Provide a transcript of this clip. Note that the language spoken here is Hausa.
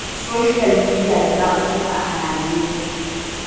Soshiyal midiya da zaɓuɓɓuka a Najeriya